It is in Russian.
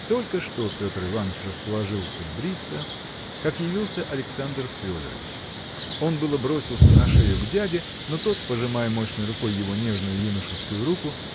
Только что Петр Иваныч расположился бриться как явился Александр Федорыч. Он было бросился на шею к дяде но тот пожимая мощной рукой его нежную юношескую руку